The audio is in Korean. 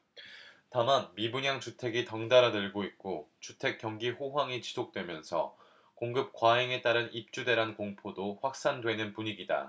다만 미분양 주택이 덩달아 늘고 있고 주택경기 호황이 지속되면서 공급과잉에 따른 입주대란 공포도 확산되는 분위기다